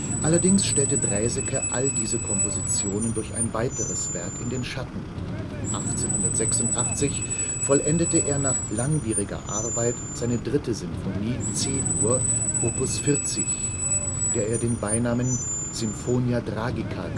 Allerdings stellte Draeseke all diese Kompositionen durch ein weiteres Werk in den Schatten: 1886 vollendete er nach langwieriger Arbeit seine dritte Symphonie C-Dur op. 40, der er den Beinamen Symphonia Tragica